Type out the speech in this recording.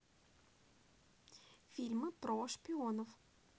фильмы про шпионов